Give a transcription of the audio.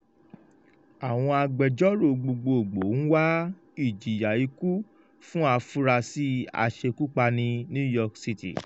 Àwọn agbẹjọ́rò gbogboogbo ń wá ìjìyà ikú fún afurasí aṣekúpani NYC.